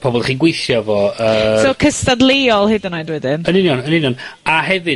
pobol chi'n gweithio efo,, yy... So cystadleuol hyd yn oed wedyn? ...yn union, yn union. A hefyd